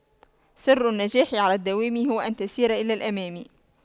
سر النجاح على الدوام هو أن تسير إلى الأمام